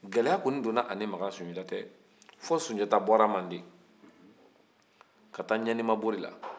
gɛlɛya koni donn'ani makan sunjata cɛ fo sunjata bɔra mande ka taa ɲenimaboli la